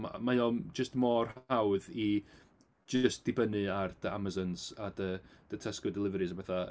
Ma' mae o'n jyst mor hawdd i jyst dibynnu ar dy Amazons a dy dy Tesco Deliveries a petha.